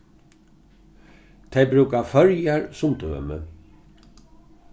tey brúka føroyar sum dømi